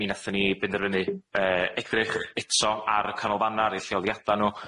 mi nathyn ni benderfynu yy edrych eto ar y canolfanna, ar eu lleoliada nw,